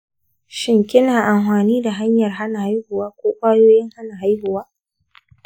shin, kina amfani da hanyar hana haihuwa ko ƙwayoyin hana haihuwa?